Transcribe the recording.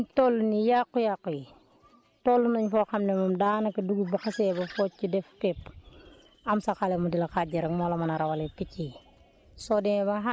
ah fi ñu toll nii yàqu-yàqu yi toll nañ foo xam ne moom daanaka dugub bu xasee ba focc def pepp am sa xale mu di la xàjjil rek moo la mun a rawaleeg picc yi